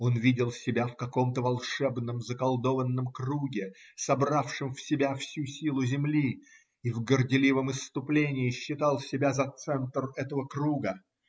Он видел себя в каком-то волшебном, заколдованном круге, собравшем в себя всю силу земли, и в горделивом исступлении считал себя за центр этого круга.